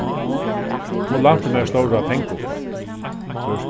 hon lænti mær stóra pengaupphædd